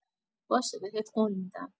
باشه بهت قول می‌دم.